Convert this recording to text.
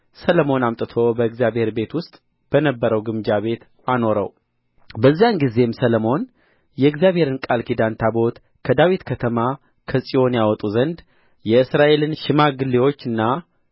ሰሎሞን አምጥቶ በእግዚአብሔር ቤት ውስጥ በነበረው ግምጃ ቤት አኖረው በዚያን ጊዜም ሰሎሞን የእግዚአብሔርን ቃል ኪዳን ታቦት ከዳዊት ከተማ ከጽዮን ያወጡ ዘንድ የእስራኤልን ሽማግሌዎችና